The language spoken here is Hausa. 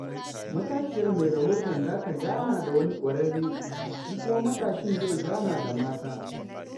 Matashiyar mai rahoton za ta gana da wani ƙwararre, shi kuma matashin zai gana da mata.